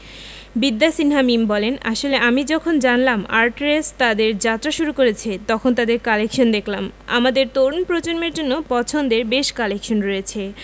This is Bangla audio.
বিদ্যা সিনহা মিম বলেন আসলে আমি যখন জানলাম আর্টরেস তাদের যাত্রা শুরু করেছে তখন তাদের কালেকশান দেখলাম আমাদের তরুণ প্রজন্মের জন্য পছন্দের বেশ কালেকশন রয়েছে